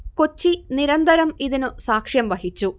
കൊച്ചി നിരന്തരം ഇതിനു സാക്ഷ്യം വഹിച്ചു